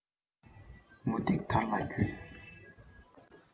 མུ ཏིག དར ལ བརྒྱུས